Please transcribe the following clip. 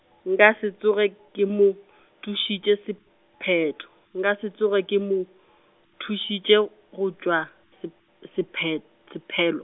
nka se tsoge ke mo , thušitše sephetho, nka se tsoge ke mo, thušitše go tšwa sep-, sephe-, sephelo-.